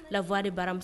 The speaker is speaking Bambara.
Lawa bara